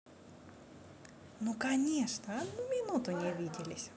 ну конечно одну минуту не виделись